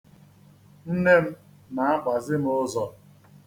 Nne m na-agbazi m ụzọ.